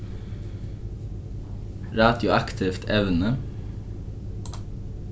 radioaktivt evni